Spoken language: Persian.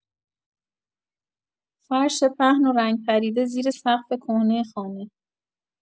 فرش پهن و رنگ‌پریده زیر سقف کهنه خانه